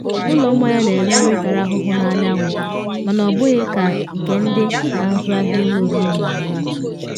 Ụlọ mmanya na ere nri tara ahụhụ n’anyanwụ, mana ọbụghị ka nke ndị na azụ ahịa ụlọ oriri na ọṅụṅụ.